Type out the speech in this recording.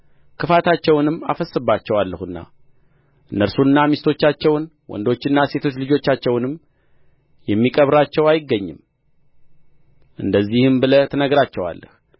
ክፋታቸውንም አፈስስባቸዋለሁ እነርሱንና ሚስቶቻቸውን ወንዶችና ሴቶች ልጆቻቸውንም የሚቀብራቸው አይገኝም እንደዚህም ብለህ ትነግራቸዋለህ